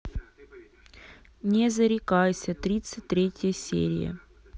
не зарекайся тридцать третья серия